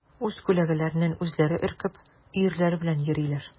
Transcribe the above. Үз күләгәләреннән үзләре өркеп, өерләре белән йөриләр.